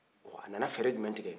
a nana fɛrɛ jumɛn tigɛ